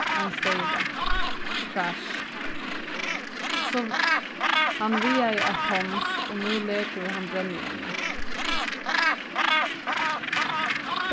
ein steyra krassj hann vigaði eitt tons og nú lekur hann brennievni